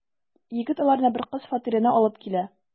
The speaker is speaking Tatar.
Егет аларны бер кыз фатирына алып килә.